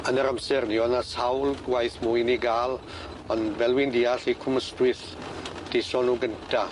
Yn yr amser 'ny o'dd 'na sawl gwaith mwyn i ga'l ond fel fi'n deall i Cwm Ystwyth geso nw gynta.